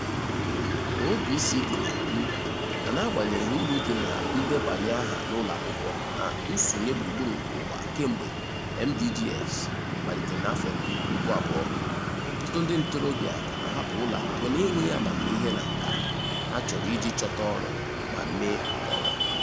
OECD na-ekwu na n'agbanyeghị uru dị na ndebanye aha n'ụlọakwụkwọ na nsonye gburugburu ụwa kemgbe MDGs malitere na 2000, ọtụtụ ndị ntorobịa ka na-ahapụ ụlọakwụkwọ n'enweghị amamihe na nkà ha chọrọ iji chọta ọrụ ma mee nke ọma.